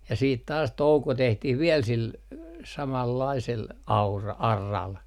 ja sitten taas touko tehtiin vielä sillä samanlaisella - auralla